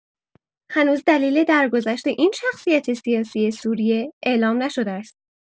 هنوز دلیل درگذشت این شخصیت سیاسی سوریه اعلام نشده است.